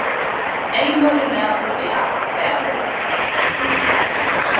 eymur er maður ið agn sparir